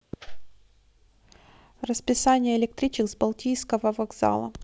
расписание электричек с балтийского вокзала